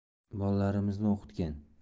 bolalarimizni o'qitgan